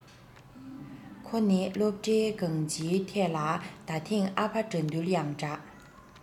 ཁོ ནི སློབ གྲྭའི གང སྤྱིའི ཐད ལ ད ཐེངས ཨ ཕ དགྲ འདུལ ཡང འདྲ